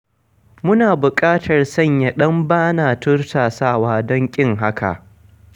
Muna buƙatar sanya ɗan-ba na tursasawa don ƙin hakan.